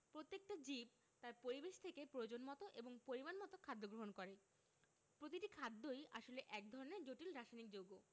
প্রত্যেকটা জীব তার পরিবেশ থেকে প্রয়োজনমতো এবং পরিমাণমতো খাদ্য গ্রহণ করে প্রতিটি খাদ্যই আসলে এক ধরনের জটিল রাসায়নিক যৌগ